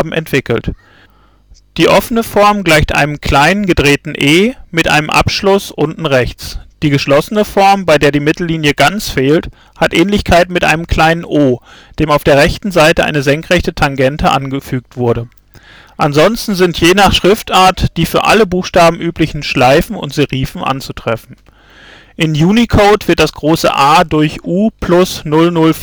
entwickelt. Die offene Form gleicht einem kleinen, um π gedrehten E mit einem Abschluss unten rechts. Die geschlossene Form, bei der die Mittellinie ganz fehlt, hat Ähnlichkeit mit einem kleinen O, dem auf der rechten Seite eine senkrechte Tangente angefügt wurde. Ansonsten sind je nach Schriftart die für alle Buchstaben üblichen Schleifen und Serifen anzutreffen. In Unicode wird das große „ A “durch U+0041